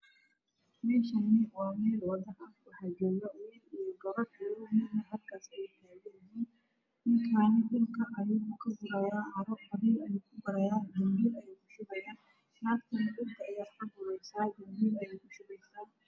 Meeshaani waa meel wado ah waxa jooga gabar iyo wiil wiilkaani dhulka ayuu wuxuu ka gurayaa cago danbiil ayuu ku shubayaa naagtana dhulka ayey wax ku guraysaa danbiil ayey ku shubaysaa